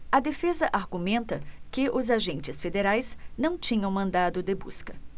a defesa argumenta que os agentes federais não tinham mandado de busca